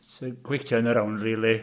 It's a quick turnaround, really.